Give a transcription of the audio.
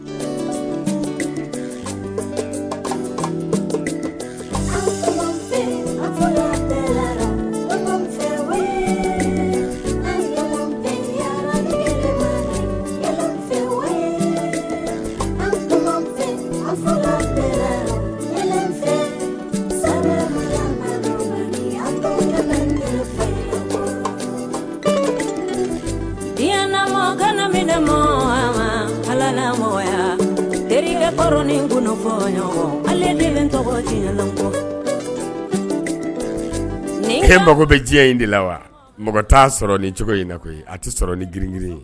Kɔfɛ kelenfɛ ɲɛna kaminya teri kɔrɔin tɔgɔ ni fɛn mago bɛ diɲɛ in de la wa mɔgɔ t' sɔrɔ ni cogo in koyi a tɛ sɔrɔ ni girinirin ye